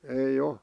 ei ole